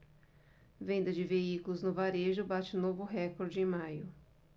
venda de veículos no varejo bate novo recorde em maio